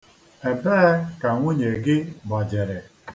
Ebee ka nwunye gị gbajere?